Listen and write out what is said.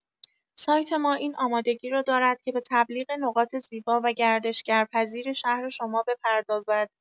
سایت ما این آمادگی را دارد که به تبلیغ نقاط زیبا و گردشگرپذیر شهر شما بپردازد.